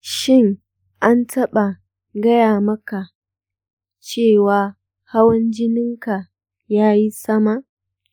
shin an taɓa gaya maka cewa hawan jininka yayi sama?